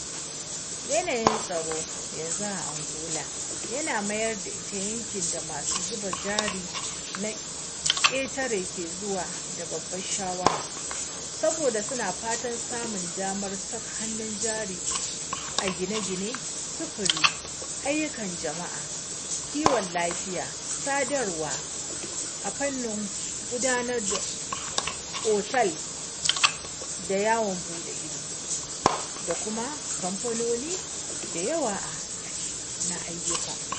Yanayin tsaro yanzu a Angola ya mayar da ita yankin da masu zuba jari na ƙetare ke zuwa da babbar sha’awa, saboda suna fatan samun damar saka hannun jari a gine-gine, sufuri, ayyukan jama’a, kiwon lafiya, sadarwa, a fannin gudanar da otal da yawon buɗe ido, da kuma fannoni da yawa na ayyuka .”